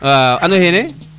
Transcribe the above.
wa ano xene